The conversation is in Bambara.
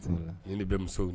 Ni bɛ musow